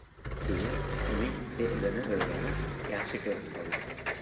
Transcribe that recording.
keyin uning fe'lini o'rganib yaxshi ko'rib qoldi